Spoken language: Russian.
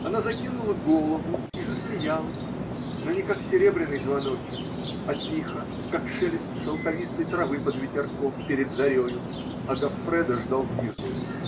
Она закинула голову и засмеялась, но не как серебряный звоночек, а тихо, как шелест шелковистой травы под ветерком, перед зарею, а Гоффредо ждал внизу.